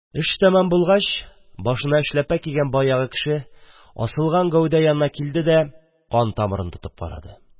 Эш тамам булгач, башына эшләпә кигән баягы кеше асылган гәүдә янына килде дә, кан тамырын тотып карады.